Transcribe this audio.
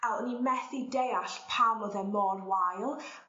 a o'n i methu deall pam o'dd e mor wael